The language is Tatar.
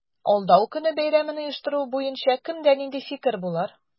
Алдау көне бәйрәмен оештыру буенча кемдә нинди фикер булыр?